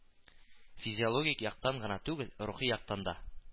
Физиологик яктан гына түгел, рухи яктан да